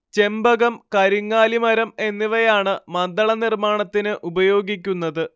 ചെമ്പകം കരിങ്ങാലി മരം എന്നിവയാണ് മദ്ദള നിർമ്മാണത്തിന് ഉപയോഗിക്കുന്നത്